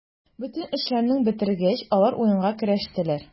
Бөтен эшләрен бетергәч, алар уенга керештеләр.